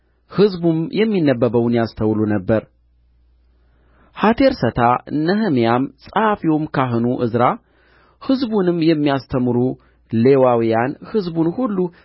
ሕዝቡም የሚነበበውን ያስተውሉ ነበር ሐቴርሰታ ነህምያም ጸሐፊውም ካህኑ ዕዝራ ሕዝቡንም የሚያስተምሩ ሌዋውያን ሕዝቡን ሁሉ